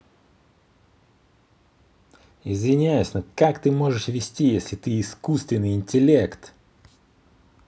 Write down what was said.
извиняюсь но как ты можешь вести если ты искусственный интеллект